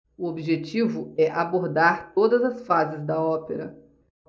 o objetivo é abordar todas as fases da ópera